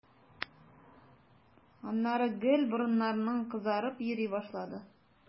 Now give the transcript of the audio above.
Аннары гел борыннарың кызарып йөри башлады.